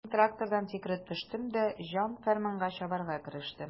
Мин трактордан сикереп төштем дә җан-фәрманга чабарга керештем.